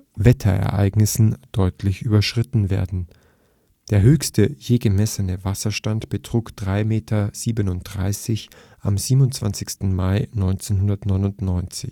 Wetterereignissen deutlich überschritten werden, der höchste je gemessene Wasserstand betrug 337 cm am 27. Mai 1999. Bei